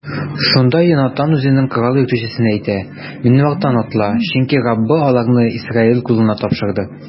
Шунда Йонатан үзенең корал йөртүчесенә әйтте: минем арттан атла, чөнки Раббы аларны Исраил кулына тапшырды.